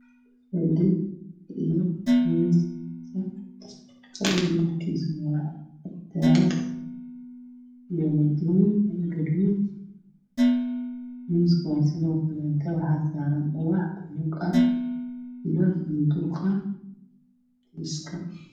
Meeshaan waa meel qolo waxaa yaalo fadhi li galaalkiisu waa qaxay iyo caddaan